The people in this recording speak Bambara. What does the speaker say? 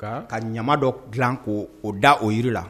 Ka ɲama dɔ gilan ko da o yiri la .